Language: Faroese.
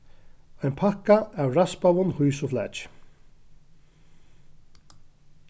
ein pakka av raspaðum hýsuflaki